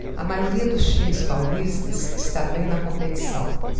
a maioria dos times paulistas está bem na competição